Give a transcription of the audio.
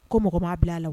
Ko mɔgɔ b maa bila a la